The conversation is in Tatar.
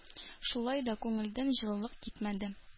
Шулай да күңелдән җылылык китмәде.